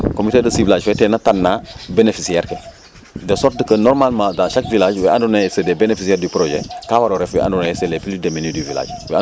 cummuté de siblage fe ten na tanaa bénéficiaire ke de sorte que dans chaque village c' est des bénéficiare du projet kaa war o ref we andoona yee c' est les plus deminues du village